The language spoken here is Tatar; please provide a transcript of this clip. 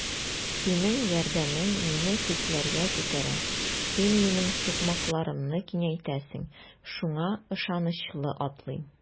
Синең ярдәмең мине күкләргә күтәрә, син минем сукмакларымны киңәйтәсең, шуңа ышанычлы атлыйм.